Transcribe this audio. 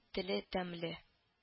Теле тәмле